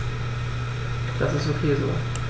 Das ist ok so.